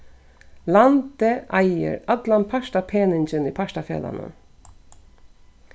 landið eigur allan partapeningin í partafelagnum